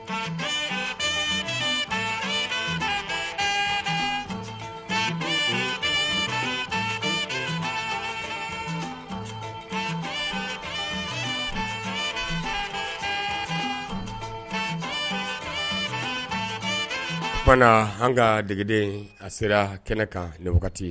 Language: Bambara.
Fana an ka degeden a sera kɛnɛ kan la wagati